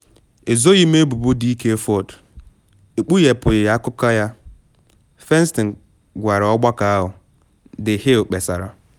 “Ezoghi m ebubo Dk. Ford, ekpughepughi akụkọ ya,” Feinstein gwara ọgbakọ ahụ, The Hill kpesara.